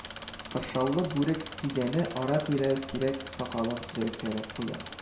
Кыршаулы бүрек кигәне ара-тирә сирәк сакалын төзәткәләп куя: